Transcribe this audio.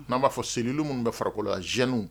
N'an b'a fɔ selililu minnu bɛ farikolo zun